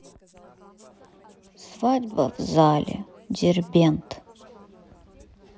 свадьба в зале дербент